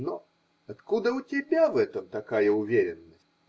Но. откуда у тебя в этом такая уверенность?